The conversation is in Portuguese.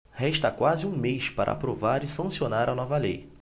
resta quase um mês para aprovar e sancionar a nova lei